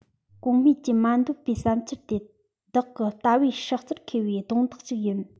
གོང སྨྲས ཀྱི མ འདོད པའི བསམ འཆར དེ བདག གི ལྟ བའི སྲོག རྩར འཁེལ བའི རྡུང རྡེག ཅིག ཡིན